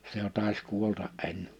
se jo taisi kuolla ennen